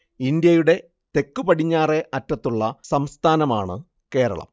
ഇന്ത്യയുടെ തെക്കുപടിഞ്ഞാറെ അറ്റത്തുള്ള സംസ്ഥാനമാണ് കേരളം